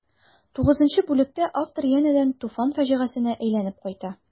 Тугызынчы бүлектә автор янәдән Туфан фаҗигасенә әйләнеп кайта.